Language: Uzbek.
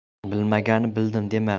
bilmaganni bildim dema